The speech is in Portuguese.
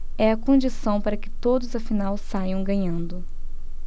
é a condição para que todos afinal saiam ganhando